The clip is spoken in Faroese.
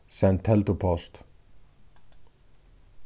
send teldupost